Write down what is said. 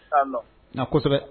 Nka kosɛbɛ